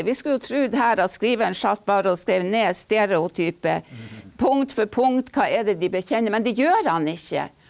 vi skulle jo tru det her at skriveren satt bare og skreiv ned stereotype punkt for punkt hva er det de bekjenner, men det gjør han ikke.